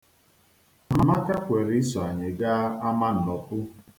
Amaka kwere iso anyị gaa amannọpụ.